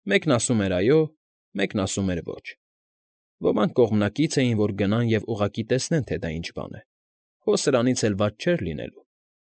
Մեկն ասում էր՝ «այո», մեկն ասում էր՝ «ոչ»։ Ոմանք կողմնակից էին, որ գնան և ուղղակի տեսնեն, թե դա ինչ բան է, հո սրանից էլ վատ չէր լինելու։